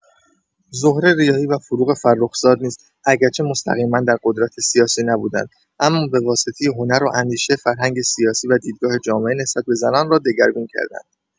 زهره ریاحی و فروغ فرخزاد نیز اگرچه مستقیما در قدرت سیاسی نبودند، اما به‌واسطه هنر و اندیشه، فرهنگ سیاسی و دیدگاه جامعه نسبت به زنان را دگرگون کردند.